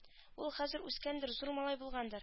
Ул хәзер үскәндер зур малай булгандыр